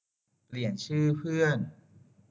เปลี่ยนชื่อเพื่อน